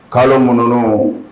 Kalo mun nunun